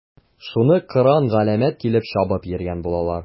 Шуны кыран-галәмәт килеп чабып йөргән булалар.